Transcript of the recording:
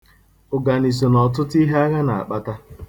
Ụganị so n'ọtụtụ ihe agha na-akpata.